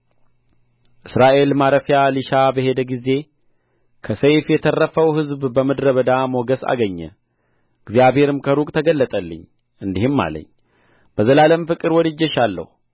እስራኤል ማረፊያ ሊሻ በሄደ ጊዜ ከሰይፍ የተረፈው ሕዝብ በምድረ በዳ ሞገስ አገኘ እግዚአብሔርም ከሩቅ ተገለጠልኝ እንዲህም አለኝ በዘላለም ፍቅር ወድጄሻለሁ